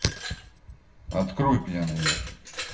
открой пьяный ежик